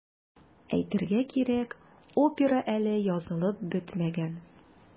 Әйтергә кирәк, опера әле язылып бетмәгән.